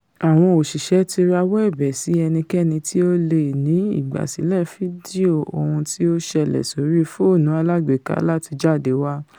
Àwọn òṣìṣẹ ti rawọ́ ẹ̀bẹ̀ sí ẹnikẹ́ni tí ó leè ní ìgbàsílẹ̀ fídíò ohun tí ó ṣẹlẹ̀ sórí fóònù aláàgbéká láti jáde wá.